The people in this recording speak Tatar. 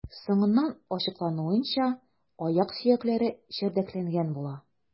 Соңыннан ачыклануынча, аяк сөякләре чәрдәкләнгән була.